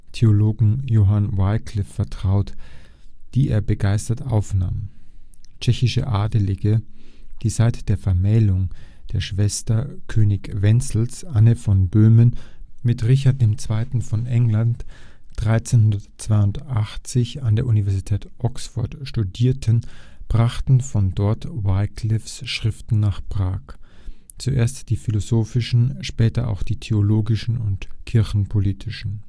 Theologen John Wyclif vertraut, die er begeistert aufnahm. Tschechische Adelige, die seit der Vermählung der Schwester König Wenzels, Anne von Böhmen, mit Richard II. von England (1382) an der Universität Oxford studierten, brachten von dort Wyclifs Schriften nach Prag – zuerst die philosophischen, später auch die theologischen und kirchenpolitischen